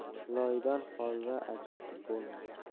loydan holva ajratib bo'lmas